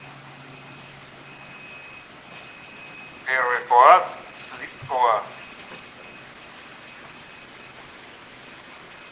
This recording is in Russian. первый класс slick класс